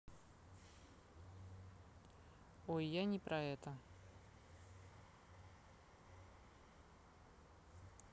ой я не про это